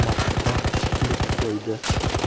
marta kulib qo'ydi